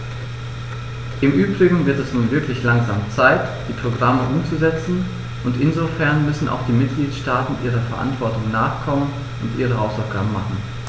Im übrigen wird es nun wirklich langsam Zeit, die Programme umzusetzen, und insofern müssen auch die Mitgliedstaaten ihrer Verantwortung nachkommen und ihre Hausaufgaben machen.